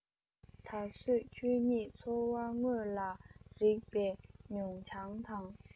ད བཟོད ཁྱོད ཉིད ཚོར བ དངོས ལ རེག པའི མྱོང བྱང དང